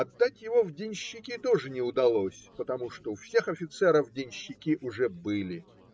Отдать его в денщики тоже не удалось, потому что у всех офицеров денщики уже были.